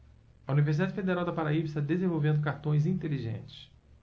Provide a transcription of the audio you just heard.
a universidade federal da paraíba está desenvolvendo cartões inteligentes